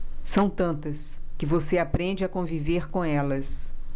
são tantas que você aprende a conviver com elas